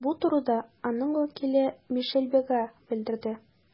Бу турыда аның вәкиле Мишель Бега белдерде.